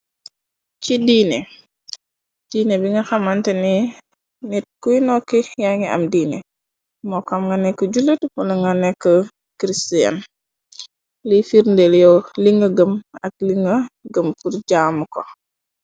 Ci diine diiné bi nga xamante ni nit kuy nokki ya ngi am diine moo koam nga nekk julet wala nga nekk christien li firndelyoo li nga gëm ak li nga gëm pur jaamu ko.